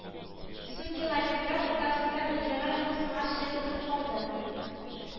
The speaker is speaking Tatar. Сукилометрак уртасында мөлдерәмә тулы сыңар чиләк утырып калды